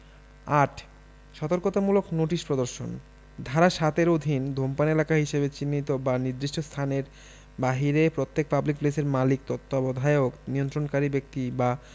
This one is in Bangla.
৮ সতর্কতামূলক নোটিশ প্রদর্শনঃ ধারা ৭ এর অধীন ধুমপান এলাকা হিসাবে চিহ্নিত বা নির্দিষ্ট স্থানের বাহিরে প্রত্যেক পাবলিক প্লেসের মালিক তত্ত্বাবধায়ক নিয়ন্ত্রণকারী ব্যক্তিবা